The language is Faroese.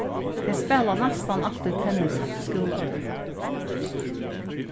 tey spæla næstan altíð tennis eftir skúlatíð